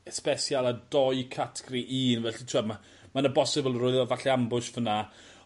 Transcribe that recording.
especial a doi categri un felly t'wod ma' ma' 'na bosibilrwydd o falle ambush fyn 'na.